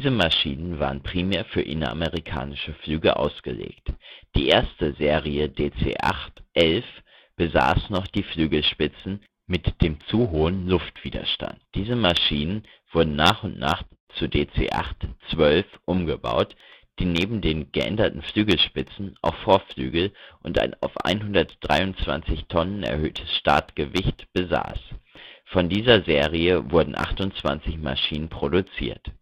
Maschinen waren primär für inneramerikanische Flüge ausgelegt. Die erste Serie DC-8-11 besaß noch die Flügelspitzen mit dem zu hohen Luftwiderstand. Diese Maschinen wurden nach und nach zu DC-8-12 umgebaut, die neben den geänderten Flügelspitzen auch Vorflügel und ein auf 123 Tonnen erhöhtes Startgewicht (MTOW) besaß. Von dieser Serie wurden 28 Maschinen produziert